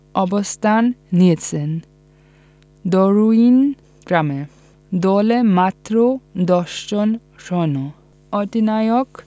অবস্থান নিয়েছেন দরুইন গ্রামে দলে মাত্র দশজন সৈন্য অধিনায়ক